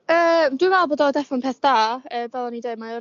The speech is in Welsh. Yy dwi'n meddwl bod o deffo'n peth da yy fel oni'n deu' mae o'n reid